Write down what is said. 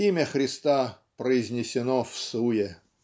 Имя Христа произнесено всуе.